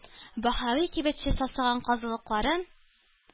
Баһави кибетче сасыган казылыкларын